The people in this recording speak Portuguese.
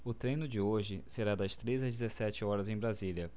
o treino de hoje será das treze às dezessete horas em brasília